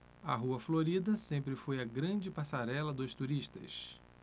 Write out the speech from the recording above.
a rua florida sempre foi a grande passarela dos turistas